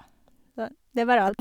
Så, det var alt.